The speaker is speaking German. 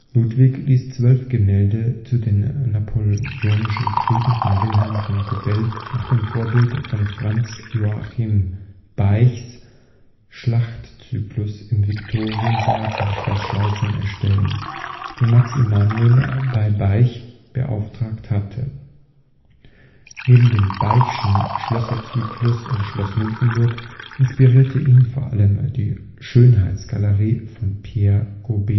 Ludwig ließ zwölf Gemälde zu den Napoleonischen Kriegen von Wilhelm von Kobell nach dem Vorbild von Franz Joachim Beichs Schlachtenzyklus im Viktoriensaal von Schloss Schleißheim erstellen, den Max Emanuel bei Beich beauftragt hatte. Neben dem Beichschen Schlösserzyklus in Schloss Nymphenburg inspirierte ihn vor allem die Schönheitengalerie von Pierre Gobert